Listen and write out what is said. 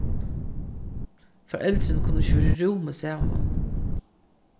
foreldrini kunnu ikki vera í rúmi saman